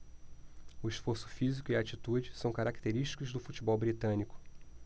o esforço físico e a atitude são característicos do futebol britânico